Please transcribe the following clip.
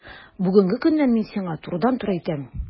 Бүгенге көннән мин сиңа турыдан-туры әйтәм: